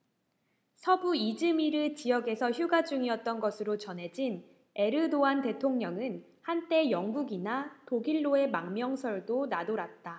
서부 이즈미르 지역에서 휴가 중이었던 것으로 전해진 에르도안 대통령은 한때 영국이나 독일로의 망명설도 나돌았다